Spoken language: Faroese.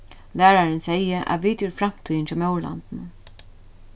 lærarin segði at vit eru framtíðin hjá móðurlandinum